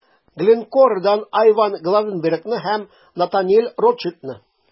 Glencore'дан Айван Глазенбергны һәм Натаниэль Ротшильдны.